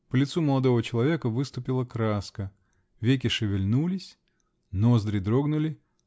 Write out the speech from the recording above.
По лицу молодого человека выступила краска; веки шевельнулись. ноздри дрогнули.